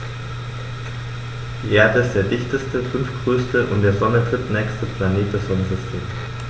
Die Erde ist der dichteste, fünftgrößte und der Sonne drittnächste Planet des Sonnensystems.